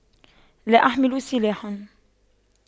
لا أحمل سلاحا